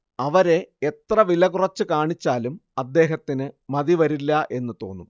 അവരെ എത്ര വിലകുറച്ചുകാണിച്ചാലും അദ്ദേഹത്തിന് മതിവരില്ല എന്നു തോന്നും